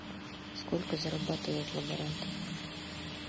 сколько зарабатывают лаборанты